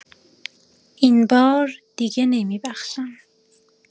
این‌بار دیگه نمی‌بخشم